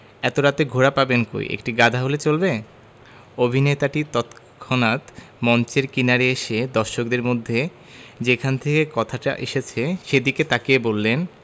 এত রাতে ঘোড়া পাবেন কই একটি গাধা হলে চলবে অভিনেতাটি তৎক্ষনাত মঞ্চের কিনারে এসে দর্শকদের মধ্যে যেখান থেকে কথাটা এসেছে সেদিকে তাকিয়ে বললেন